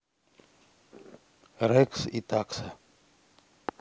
рекс и такса